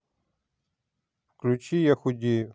включи я худею